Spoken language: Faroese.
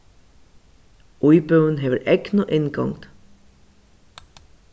íbúðin hevur egnu inngongd